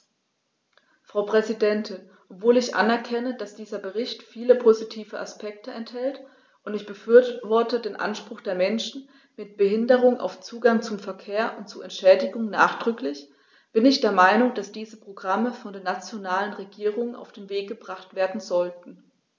Frau Präsidentin, obwohl ich anerkenne, dass dieser Bericht viele positive Aspekte enthält - und ich befürworte den Anspruch der Menschen mit Behinderung auf Zugang zum Verkehr und zu Entschädigung nachdrücklich -, bin ich der Meinung, dass diese Programme von den nationalen Regierungen auf den Weg gebracht werden sollten.